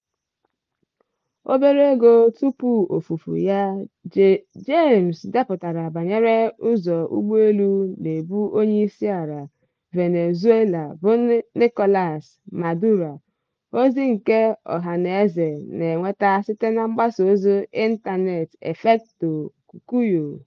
Obere ego tupu ofufu ya, Jaimes depụtara banyere ụzọ ụgbọelu na-ebu Onyeisiala Venezuela bụ Nicolas Maduro, ozi nke ọhanaeze na-enweta site na mgbasaozi ịntanetị Efecto Cocuyo.